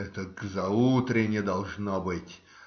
- Это к заутрене, должно быть.